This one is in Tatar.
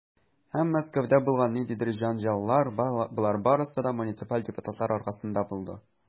Һәм Мәскәүдә булган ниндидер җәнҗаллар, - болар барысы да муниципаль депутатлар аркасында булды.